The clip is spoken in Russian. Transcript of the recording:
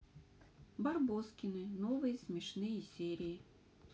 барбоскины новые смешные серии